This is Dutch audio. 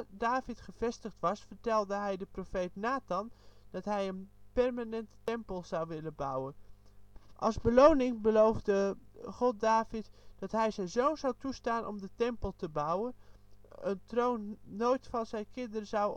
David gevestigd was, vertelde hij de profeet Nathan dat hij een permanente tempel zou willen bouwen. Als beloning beloofde God David dat hij zijn zoon zou toestaan om de tempel te bouwen en de troon nooit van zijn kinderen zou onttrekken